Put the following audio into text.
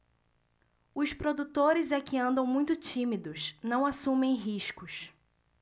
os produtores é que andam muito tímidos não assumem riscos